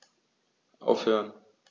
Aufhören.